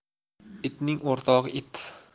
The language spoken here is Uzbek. itning o'rtog'i it